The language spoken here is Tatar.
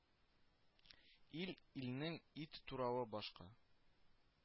Ил илнең ит туравы башка